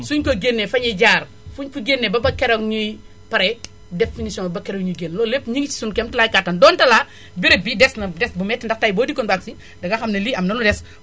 suñu ko génnee fa ñuy jar fi ñu ko génnee ba keroog ñuy pare def finition ba keroog ñuy génn loolu lépp ñu ngi suñu kéemtulaay kàttan donte laa béréb bi des na des na bu métti ndax tay boo dikkoon ba àggsi dinga xam ne am na lu des